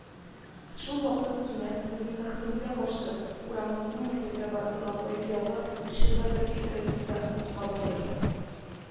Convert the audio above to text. Шул вакыт кинәт, безнең бәхетебезгә каршы, урамыбызның мәктәпкә бара торган ягы очында бер өй тәрәзәсендә ут кабынды